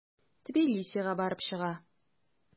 Тбилисига барып чыга.